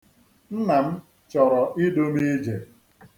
Nna m chọrọ idu m ije.